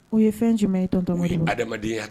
O ye fɛn jumɛn ye i ye adamadamadenyaya